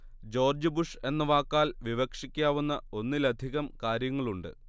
George Bush എന്ന വാക്കാൽ വിവക്ഷിക്കാവുന്ന ഒന്നിലധികം കാര്യങ്ങളുണ്ട്